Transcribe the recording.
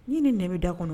Ɲin nɛ bɛ da kɔnɔ